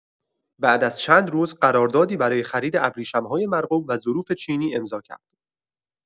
بعد از چند روز، قراردادی برای خرید ابریشم‌های مرغوب و ظروف چینی امضا کرد.